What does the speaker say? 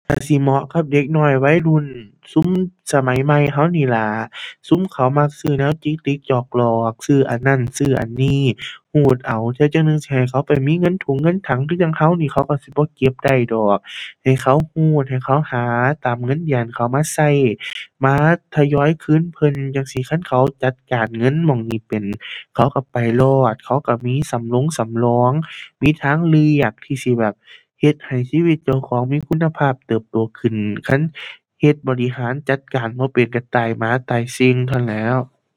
ก็สิเหมาะกับเด็กน้อยวัยรุ่น ซุมสมัยใหม่ก็นี้ล่ะ ซุมเขามักซื้อแนวจิกหลิกจอกหลอก ซื้ออันนั้น ซื้ออันนี้ ก็เอา จั่งจั่งหนึ่งสิให้เขาไปมีเงินถุงเงินถังคือจั่งก็นี่เขาก็สิบ่เก็บได้ดอก ให้เขาก็ ให้เขาหา ตามเงินยามเขามาก็ มาทยอยคืนเพิ่นจั่งซี้ คันเขาจัดการเงินหม้องนี้เป็น เขาก็ไปรอด เขาก็มีสำรงสำรอง มีทางเลือกที่สิแบบ เฮ็ดให้ชีวิตเจ้าของมีคุณภาพเติบโตขึ้น คันเฮ็ดบริหารจัดการบ่เป็นก็ตายหมาตายสิ่ง เท่านั้นแหล้ว